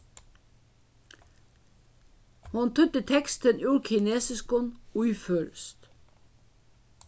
hon týddi tekstin úr kinesiskum í føroyskt